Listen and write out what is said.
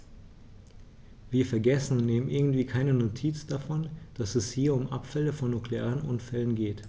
Wir vergessen, und nehmen irgendwie keine Notiz davon, dass es hier um Abfälle von nuklearen Unfällen geht.